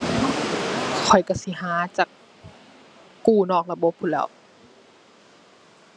ข้อยก็สิหาจากกู้นอกระบบพู้นแหล้ว